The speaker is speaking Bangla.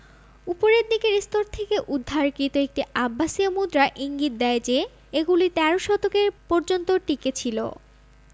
উপরের দিকের স্তর থেকে উদ্ধারকৃত একটি আব্বাসীয় মুদ্রা ইঙ্গিত দেয় যে এগুলি তেরো শতকের পর্যন্ত টিকেছিল